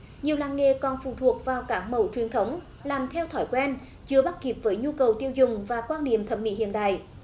nhiều làng nghề còn phụ thuộc vào các mẫu truyền thống làm theo thói quen chưa bắt kịp với nhu cầu tiêu dùng và quan niệm thẩm mỹ hiện đại